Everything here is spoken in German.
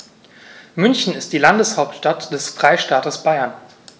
München ist die Landeshauptstadt des Freistaates Bayern.